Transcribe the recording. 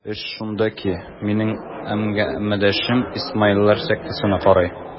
Эш шунда ки, минем әңгәмәдәшем исмаилләр сектасына карый.